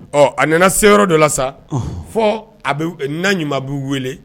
Ɔ a nana se yɔrɔ dɔ la sa fɔ a bɛ na ɲumanbili wele